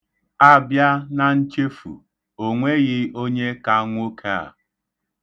A bịa na nchefu, o nweghị onye ka nwoke a.